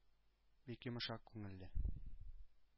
Бик йомшак күңелле.